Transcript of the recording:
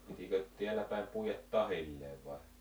pitikö täällä päin puida tahdilleen vai